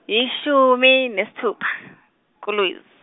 ishumi nesithupa, kuLwez-.